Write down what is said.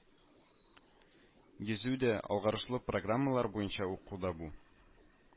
Йөзү дә, алгарышлы программалар буенча уку да бу